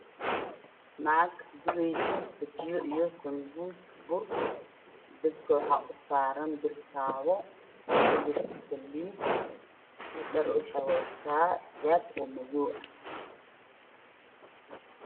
Waa naag dubeyso bajiye, sanbuus iyo bur, dabka waxaa usaaran birtaawo kujirto saliid dharka ay xiran tahay waa xijaab madow.